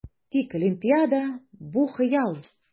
Тик Олимпиада - бу хыял!